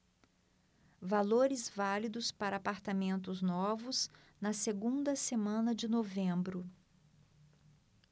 valores válidos para apartamentos novos na segunda semana de novembro